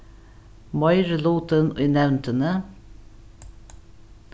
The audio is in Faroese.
meirilutin í nevndini